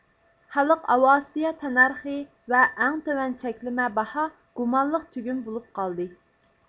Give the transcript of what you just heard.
خەلق ئاۋىئاتسىيە تەننەرخى ۋە ئەڭ تۆۋەن چەكلىمە باھا گۇمانلىق تۈگۈن بولۇپ قالدى